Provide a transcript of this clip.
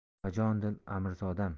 bajonidil amirzodam